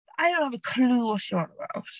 I don't have a clue what you're on about.